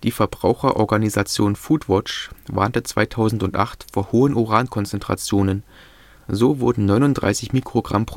Verbraucherorganisation Foodwatch warnte 2008 vor hohen Urankonzentrationen, so wurden 39 µg/l